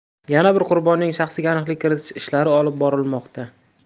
yana bir qurbonning shaxsiga aniqlik kiritish ishlari olib borilmoqda